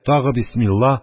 Тагы бисмилла,